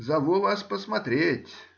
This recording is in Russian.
Зову вас посмотреть!